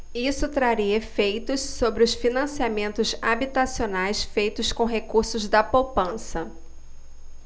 isso traria efeitos sobre os financiamentos habitacionais feitos com recursos da poupança